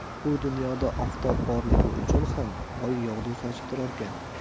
bu dunyoda oftob borligi uchun ham oy yog'du sochib turarkan